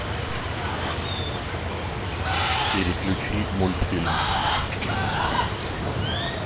переключи мультфильм